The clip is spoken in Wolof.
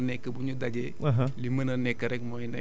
ne ma li war a nekk ak li mën a nekk bu ñu dajee